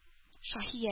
Шаһия